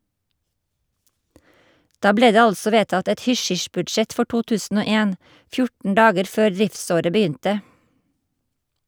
Da ble det altså vedtatt et hysj-hysj-budsjett for 2001, 14 dager før driftsåret begynte.